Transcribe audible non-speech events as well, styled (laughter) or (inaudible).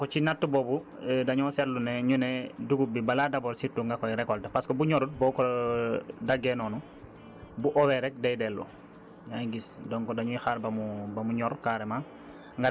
parce que programme :ra bi dafa am numu ko tëralee donc ci natt boobu (hesitation) dañoo seetlu ne ñu ne dugub bi balaa d' abord surtout nga koy récolter parce que bu ñorul boo ko (hesitation) daggee noonu bu owee rekk day dellu yaa ngi gis